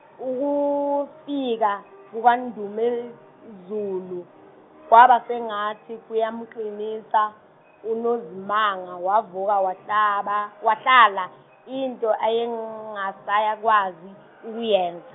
ukufika kukaNdumezulu kwabasengathi kuyamqinisa uNozimanga wavuka wahlaba wahlala into ayengasakwazi ukuyenza.